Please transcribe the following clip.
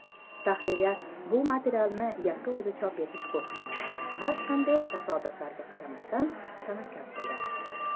tahririya bu materialni yakka o'zi chop etish huquqini oldi va har qanday tasodiflarga qaramasdan tavakkal qildi